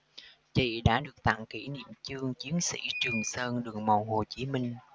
chị đã được tặng kỷ niệm chương chiến sĩ trường sơn đường mòn hồ chí minh